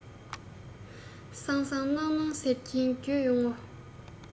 སང སང གནངས གནངས ཟེར གྱིན འགྱོད ཡོང ངོ